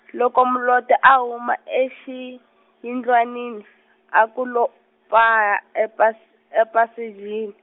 loko Moloto a huma exiyindlwanini a ku lo paa, epas- ephasejini.